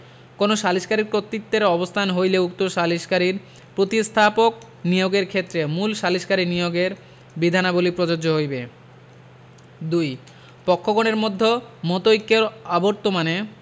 কোন সালিকারীর কর্তত্বের অবস্থান হইলে উক্ত সালিকারীর প্রতিস্থাপক নিয়োগের ক্ষেত্রে মূল সালিসকারী নিয়োগের বিধানাবলী প্রযোজ্য হইবে ২ পক্ষগণের মধ্যে মতৈক্যের অবর্তমানে